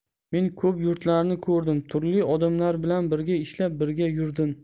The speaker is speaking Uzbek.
men ko'p yurtlarni ko'rdim turli odamlar bilan birga ishlab birga yurdim